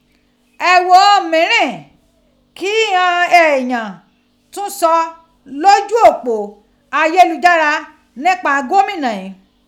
Ẹ gho ighan ihun miirin kighan eeyan tun sọ loju opo ayelujara nipa ipinu Gomina ghin.